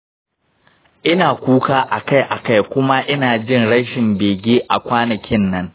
ina kuka akai-akai kuma ina jin rashin bege a kwanakin nan.